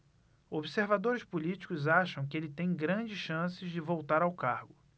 observadores políticos acham que ele tem grandes chances de voltar ao cargo